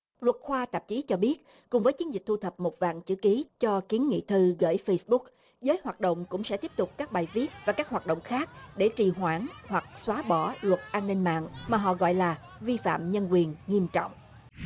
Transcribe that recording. luật khoa tạp chí cho biết cùng với chiến dịch thu thập một vài chữ ký cho kiến nghị thư gửi phây búc giới hoạt động cũng sẽ tiếp tục các bài viết và các hoạt động khác để trì hoãn hoặc xóa bỏ luật an ninh mạng mà họ gọi là vi phạm nhân quyền nghiêm trọng